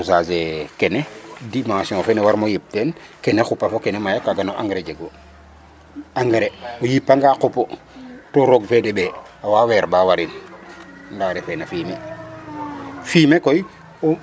Ndaa pour dosage e kene dimension fene war o yip teen kene xupa fo kene maya kaaga na engrais jegu engrais o yipangaa qupu to roog fe deɓee a waa weer ba warin ndaa refee no fumier fumier koy.